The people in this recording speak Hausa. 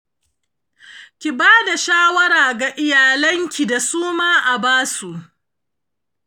ki bada shawara ga iyalan ki da suma a dubasu.